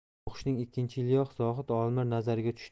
o'qishning ikkinchi yiliyoq zohid olimlar nazariga tushdi